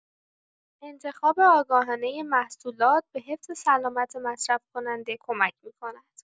انتخاب آگاهانه محصولات به حفظ سلامت مصرف‌کننده کمک می‌کند.